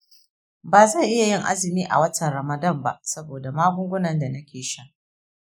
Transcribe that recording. ba zan iya yin azumi a watan ramadan ba saboda magungunan da nake sha.